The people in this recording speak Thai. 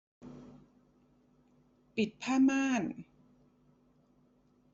ปิดผ้าม่าน